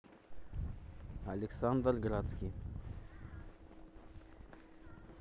александр градский